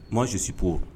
Kumasu sibo